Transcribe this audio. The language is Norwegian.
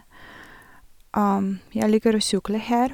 Jeg liker å sykle her.